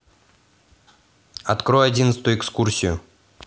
открой одиннадцатую экскурсию